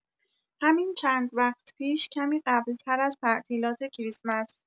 همین چند وقت پیش، کمی قبل‌‌تر از تعطیلات کریسمس